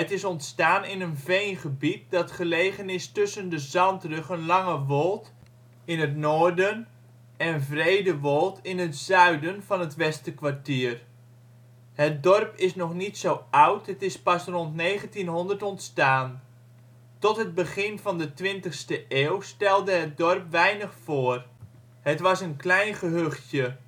is ontstaan in een veengebied dat gelegen is tussen de zandruggen Langewold in het noorden en Vredewold in het zuiden van het Westerkwartier. Het dorp is nog niet zo oud, het is pas rond 1900 ontstaan. Tot het begin van de 20e eeuw stelde het dorp weinig voor, het was een klein gehuchtje